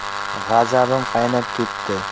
g'azabim qaynab ketdi